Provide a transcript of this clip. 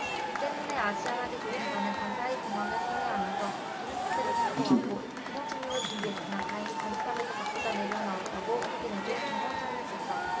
이 때문에 아시아나기 조종사는 간사이공항을 선회하면서 비상사태를 선포하고 비상착륙 준비를 했으나 다행히 관제탑에서 바퀴가 내려왔다고 확인해 줘 정상 착륙했다